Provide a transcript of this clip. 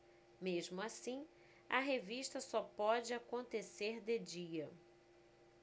mesmo assim a revista só pode acontecer de dia